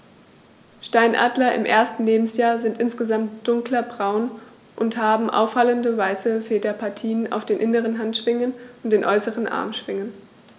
Steinadler im ersten Lebensjahr sind insgesamt dunkler braun und haben auffallende, weiße Federpartien auf den inneren Handschwingen und den äußeren Armschwingen.